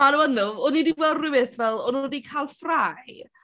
Maen nhw yn ddo. O'n i 'di gweld rhywbeth fel o'n nhw 'di cael ffrae...